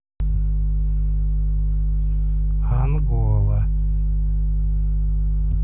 ангола